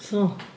Be ti'n feddwl?